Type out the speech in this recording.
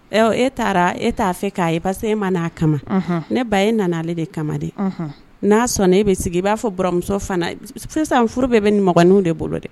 Ɔ e taara e t'a fɛ k'a ye parce que e ma n'a kama. Unhun ne ba e nana ale de kama dɛ. Unhun. N'a sɔnna e bɛ sigi i b'a fɔ buranmuso fana, sisan furu bɛɛ bɛ nimɔgɔninw de bolo dɛ.